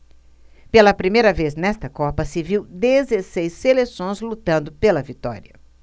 pela primeira vez nesta copa se viu dezesseis seleções lutando pela vitória